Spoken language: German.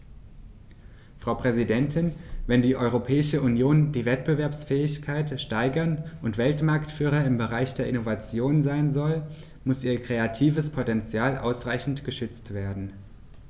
Frau Präsidentin, wenn die Europäische Union die Wettbewerbsfähigkeit steigern und Weltmarktführer im Bereich der Innovation sein soll, muss ihr kreatives Potential ausreichend geschützt werden.